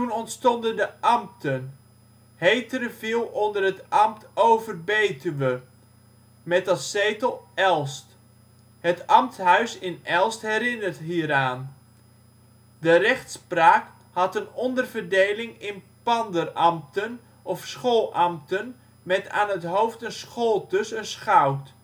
ontstonden de ambten. Heteren viel onder het Ambt Over Betuwe, met als zetel Elst. Het Ambtshuis in Elst herinnert hieraan. De rechtspraak had een onderverdeling in panderambten of scholambten met aan het hoofd een Scholtus (schout